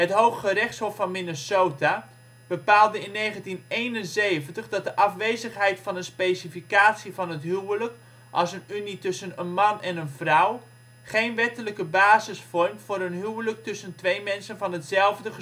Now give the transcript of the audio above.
Hooggerechtshof van Minnesota bepaalde in 1971 dat de afwezigheid van een specificatie van het huwelijk als een unie tussen een man en een vrouw geen wettelijke basis vormt voor een huwelijk tussen twee mensen van hetzelfde